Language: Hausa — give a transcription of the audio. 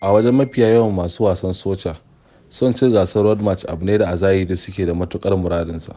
A wajen mafiya yawan masu wasan soca, son cin gasar Road March abu ne da a zahiri suke da matuƙar muradinsa.